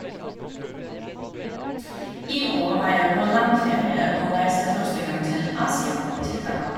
I år var jeg på langferie og reiste første gang til Asia, til Thailand.